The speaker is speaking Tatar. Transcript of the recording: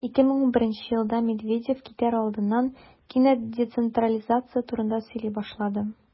2011 елда медведев китәр алдыннан кинәт децентрализация турында сөйли башлады.